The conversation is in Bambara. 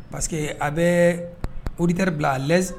Parce que a bɛ oditari bila ad